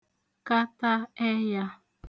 kata ẹyā